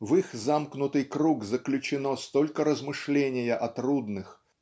и в их замкнутый круг заключено столько размышления о трудных